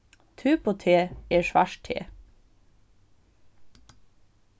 typhoo te er svart te